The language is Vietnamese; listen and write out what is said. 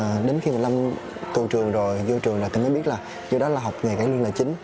đến khi mà lâm tù trường rồi yêu trường mới biết là vô đó học nghề cải lương là chính